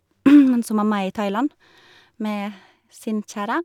Mens hun mamma er i Thailand med sin kjære.